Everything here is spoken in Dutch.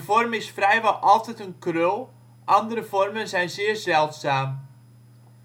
vorm is vrijwel altijd een krul, andere vormen zijn zeer zeldzaam.